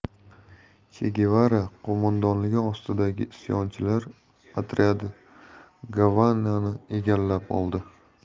che gevara qo'mondonligi ostidagi isyonchilar otryadi gavanani egallab oldi